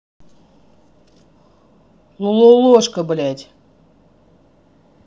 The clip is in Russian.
лололошка блядь